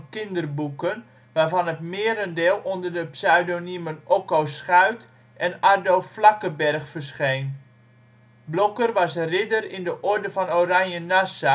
kinderboeken, waarvan het merendeel onder de pseudoniemen Okko Schuit en Ardo Flakkeberg verscheen. Blokker is Ridder in de Orde van Oranje-Nassau